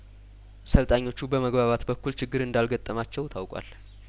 ሰልጣኞቹ በመግባባት በኩል ችግር እንዳልገጠማቸው ታውቋል